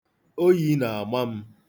Oyi na-ama m.